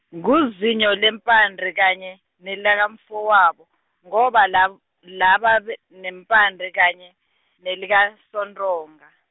nguzinyo leempande kanye, nelikamfowabo, ngoba la- laba be- neempande, kanye, nelikaSoNtonga.